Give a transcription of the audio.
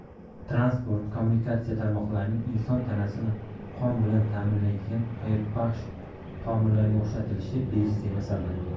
transport kommunikatsiya tarmoqlarining inson tanasini qon bilan ta'minlaydigan hayotbaxsh tomirlarga o'xshatilishi bejiz emas albatta